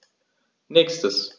Nächstes.